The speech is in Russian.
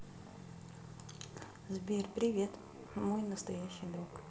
сбер привет мой настоящий друг